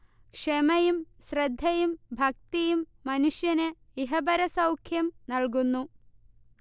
ക്ഷമയും ശ്രദ്ധയും ഭക്തിയും മനുഷ്യന് ഇഹപരസൗഖ്യം നൽകുന്നു